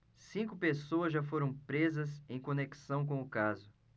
cinco pessoas já foram presas em conexão com o caso